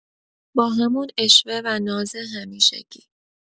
با همون عشوه و ناز همیشگی